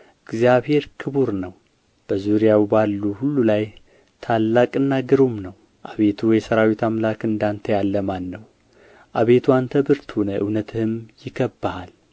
እግዚአብሔር ክቡር ነው በዙሪያው ባሉት ሁሉ ላይ ታላቅና ግሩም ነው አቤቱ የሠራዊት አምላክ እንደ አንተ ያለ ማን ነው አቤቱ አንተ ብርቱ ነህ እውነትህም ይከብብሃል